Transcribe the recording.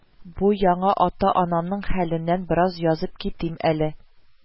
Бу яңа ата-анамның хәленнән бераз язып китим әле